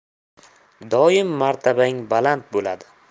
doim martabang baland bo'ladi